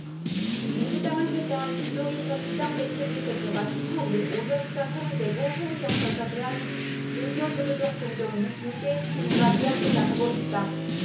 민주당을 탈당한 김종인 전 비상대책위 대표가 십 팔 일 오전 부산 해운대구 해운정사에서 대한불교조계종 종정인 진제 스님과 이야기를 나누고 있다